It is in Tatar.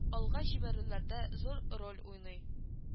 Алга җибәрүләрдә зур роль уйный